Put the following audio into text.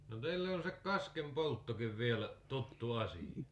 no teille oli se kaskenpolttokin vielä tuttu asia